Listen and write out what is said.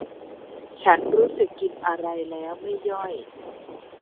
ฉันรู้สึกกินอะไรแล้วไม่ย่อย